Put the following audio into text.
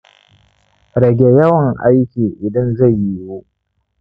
rage yawan-aiki idan zai yiwu